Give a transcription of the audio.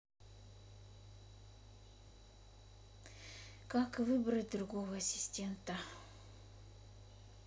как выбрать другого ассистента